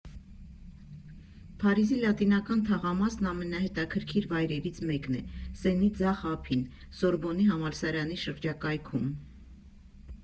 Փարիզի Լատինական թաղամասն ամենահետաքրքիր վայրերից մեկն է, Սենի ձախ ափին, Սորբոնի համալսարանի շրջակայքում։